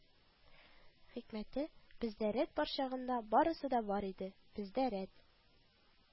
Хикмәте, бездә рәт бар чагында барысы да бар иде, бездә рәт